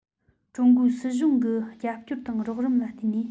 ཀྲུང གོའི སྲིད གཞུང གི རྒྱབ སྐྱོར དང རོགས རམ ལ བརྟེན ནས